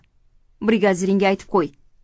brigadiringga aytib qo'y